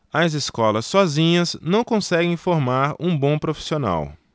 as escolas sozinhas não conseguem formar um bom profissional